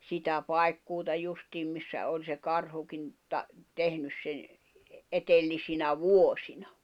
sitä paikkuuta justiin missä oli se karhukin - tehnyt sen edellisinä vuosina